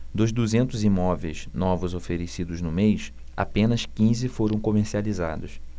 dos duzentos imóveis novos oferecidos no mês apenas quinze foram comercializados